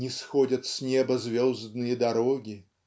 Нисходят с неба звездные дороги